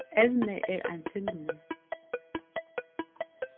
evnið er ein filmur